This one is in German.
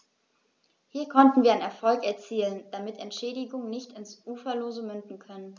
Hier konnten wir einen Erfolg erzielen, damit Entschädigungen nicht ins Uferlose münden können.